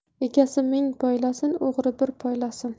egasi ming poylasin o'g'ri bir poylasin